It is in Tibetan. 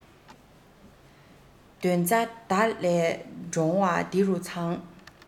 དོན རྩ མདའ ལས འདྲོང བ དེ རུ ཚང